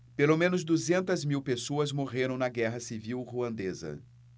pelo menos duzentas mil pessoas morreram na guerra civil ruandesa